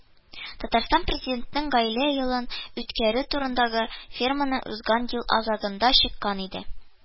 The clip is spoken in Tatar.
Татарстан президентының гаилә елын үткәрү турындагы фәрманы узган ел азагында чыккан иде